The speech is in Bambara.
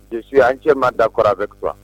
Gese an cɛ maa dakɔrɔ a bɛkura